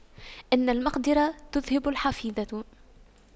إن المقْدِرة تُذْهِبَ الحفيظة